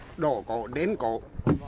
đỏ có đen có